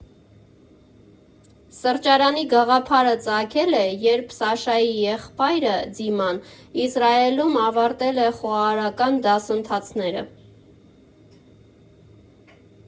Սրճարանի գաղափարը ծագել է, երբ Սաշայի եղբայրը՝ Դիման, Իսրայելում ավարտել է խոհարարական դասընթացները։